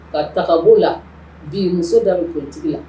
Ka taga b'o la bi muso da bɛ politique la.